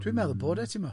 Dwi'n meddwl bod e, ti'bod.